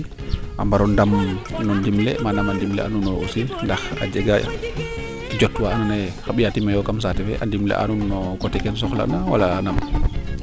a mbaro ndam no nimle manaam a ndimle a nuun oyo aussi ndaa a jega jot waa ando naye xa ɓiy xa timeyo kam saate fe a ndimle a nuun oyo no coté ke nu sosxla na wala nam